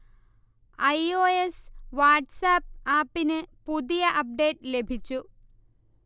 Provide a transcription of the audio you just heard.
I. O. S. WhatsApp ആപ്പിന് പുതിയ update ലഭിച്ചു